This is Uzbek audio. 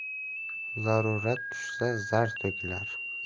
zarurat tushsa zar to'kilar